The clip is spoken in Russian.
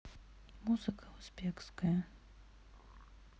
музыка узбекская